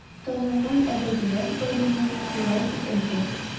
Танылган әдәбият галиме шулай дип әйтә.